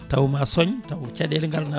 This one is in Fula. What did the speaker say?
taw ma sooñ taw caɗele